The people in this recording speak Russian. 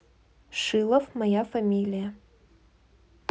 шилов моя фамилия